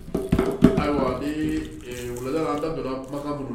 Ayiwa ni wula da makan minnu